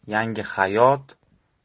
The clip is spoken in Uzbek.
yangi hayot